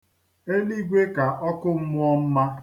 Eligwe ka ọkụmmụọ mma.